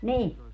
niin